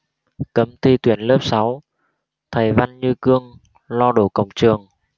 cấm thi tuyển lớp sáu thầy văn như cương lo đổ cổng trường